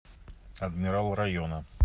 адмирал района